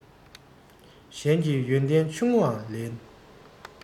གཞན གྱི ཡོན ཏན ཆུང ངུའང ལེན